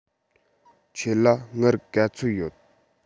ཁྱོད ལ དངུལ ག ཚོད ཡོད